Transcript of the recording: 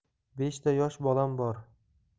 beshta yosh bolam bor